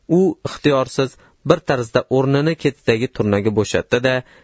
u ixtiyorsiz bir tarzda o'rnini ketidagi turnaga bo'shatdi da